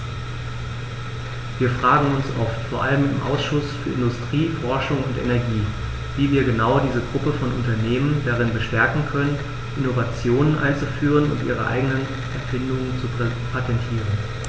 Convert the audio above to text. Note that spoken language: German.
Wir fragen uns oft, vor allem im Ausschuss für Industrie, Forschung und Energie, wie wir genau diese Gruppe von Unternehmen darin bestärken können, Innovationen einzuführen und ihre eigenen Erfindungen zu patentieren.